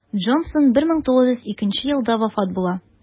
Джонсон 1902 елда вафат була.